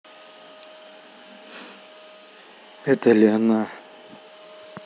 это ли она